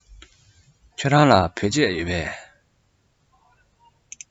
ཁྱེད རང ལ བོད ཆས ཡོད པས